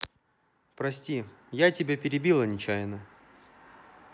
прости я тебя перебила нечаянно